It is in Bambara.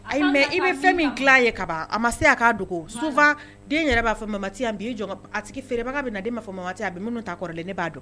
Mɛ i bɛ fɛn min tila a ye ka ban a ma se'a'a dogo sunfa den yɛrɛ b'a fɔ mamati yan bi'i jɔ a feerebaga bɛ na de ma fɔ mamaya a bɛ minnu t ta kɔrɔ la ne b'a dɔn